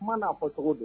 Kuma N'a fɔ cogo don.